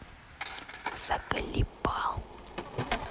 заколебал